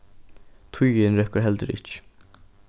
tíðin røkkur heldur ikki